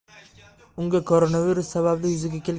unga koronavirus sababli yuzaga